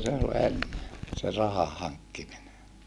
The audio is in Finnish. semmoista se oli ennen se rahahankkiminen